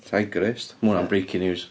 Tigerist. Mae hwnna'n breaking news.